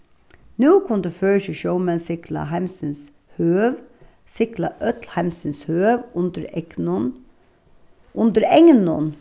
nú kundu føroyskir sjómenn sigla heimsins høv sigla øll heimsins høv undir egnum undir egnum